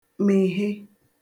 mèhe